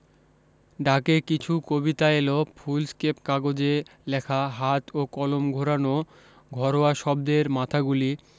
ডাকে কিছু কবিতা এলো ফুলস্কেপ কাগজে লেখা হাত ও কলম ঘোরানো ঘরোয়া শব্দের মাথাগুলি